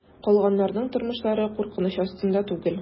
Калганнарның тормышлары куркыныч астында түгел.